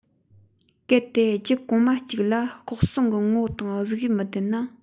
གལ ཏེ རྒྱུད གོང མ གཅིག ལ ལྐོག སོག གི ངོ བོ དང གཟུགས དབྱིབས མི ལྡན ན